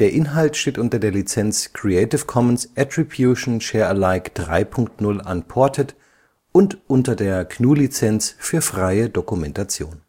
Inhalt steht unter der Lizenz Creative Commons Attribution Share Alike 3 Punkt 0 Unported und unter der GNU Lizenz für freie Dokumentation